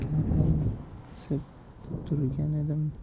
bilmay garangsib turgan edim